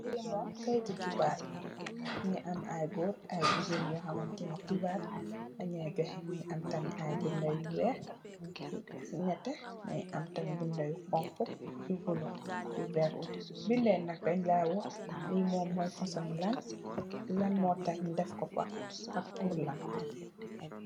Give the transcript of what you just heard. Lii mom keiti khibarr la, mungy am aiiy gorre aiiy gigain yor hamanteh kibarr leh njoii jokheh, mungy am tamit aiiy binda yu wekh, lu nehteh, mungy am tamit binda yu honhu, yu bleu, yu vert, binda yii nak dengh lai wakh li mom moi fasoni lan, ak lan motakh nju def kor fa ak pur lan.